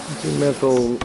Dwi'n meddwl